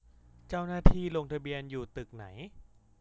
เจ้าหน้าที่ลงทะเบียนอยู่ตึกไหน